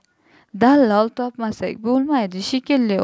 dallol topmasak bo'lmaydi shekilli